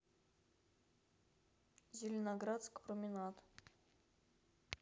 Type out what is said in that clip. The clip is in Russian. зеленоградск променад